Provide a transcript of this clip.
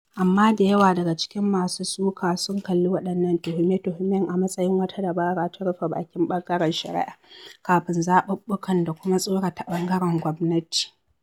Amma da yawa daga cikin masu suka sun kalli waɗannan tuhume-tuhumen a matsayin wata dabara ta rufe bakin ɓangaren shari'a kafin zaɓuɓɓukan da kuma tsorata ɓangaren gwamnati.